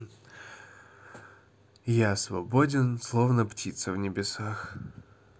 я свободен словно птица в небесах